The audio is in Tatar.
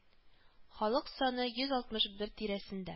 Халык саны бер йөз алтмыш бер тирәсендә